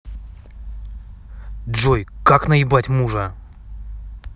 джой как наебать мужа